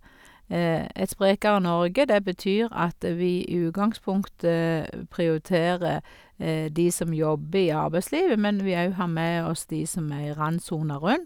Et sprekere Norge, det betyr at vi i utgangspunktet prioriterer de som jobber i arbeidslivet, men vi òg har med oss de som er i randsona rundt.